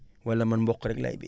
wala man mboq rek laay bay